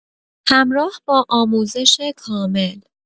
همراه با آموزش کامل